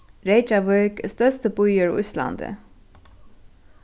reykjavík er størsti býur í íslandi